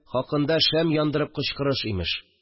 Хакында шәм яндырып кычкырыш, имеш